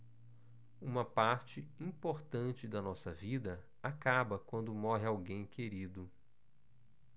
uma parte importante da nossa vida acaba quando morre alguém querido